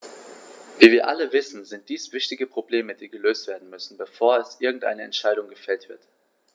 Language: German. Wie wir alle wissen, sind dies wichtige Probleme, die gelöst werden müssen, bevor irgendeine Entscheidung gefällt wird.